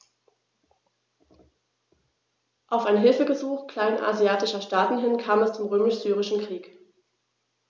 Auf ein Hilfegesuch kleinasiatischer Staaten hin kam es zum Römisch-Syrischen Krieg.